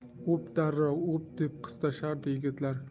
o'p darrov o'p deb qistashardi yigitlar